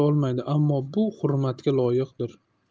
olmaydi ammo bu hurmatga loyiqdir